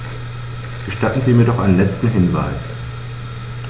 Gestatten Sie mir noch einen letzten Hinweis.